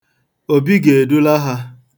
Obi ga-edula ha.